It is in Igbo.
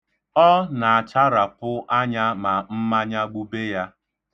Ọ na-acharapụ anya ma mmanya gbube ya.